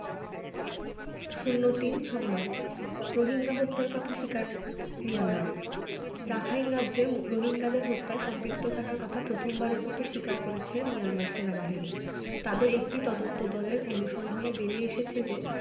০৩ সংবাদ রোহিঙ্গা হত্যার কথা স্বীকার মিয়ানমারের রাখাইন রাজ্যে রোহিঙ্গাদের হত্যায় সম্পৃক্ত থাকার কথা প্রথমবারের মতো স্বীকার করেছে মিয়ানমার সেনাবাহিনী তাদের একটি তদন্তদলের অনুসন্ধানে বেরিয়ে এসেছে যে